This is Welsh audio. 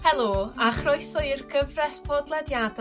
Helo a chroeso i'r gyfres podlediadau